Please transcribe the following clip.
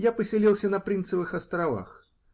Я поселился на Принцевых островах .